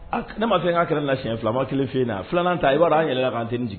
Ne ma fɛ n' kɛra na siɲɛ filama kelen fɛn na filanan ta a b'a anan yɛlɛ k' tɛ jigin